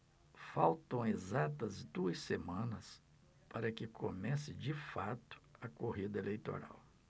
faltam exatas duas semanas para que comece de fato a corrida eleitoral